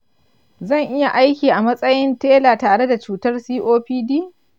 zan iya aiki a matsayin tela tare da cutar copd?